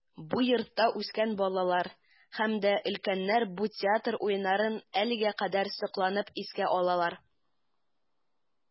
Бу йортта үскән балалар һәм дә өлкәннәр бу театр уеннарын әлегә кадәр сокланып искә алалар.